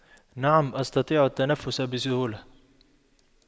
نعم أستطيع التنفس بسهولة